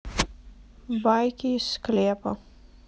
байки из склепа